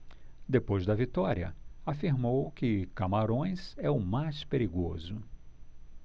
depois da vitória afirmou que camarões é o mais perigoso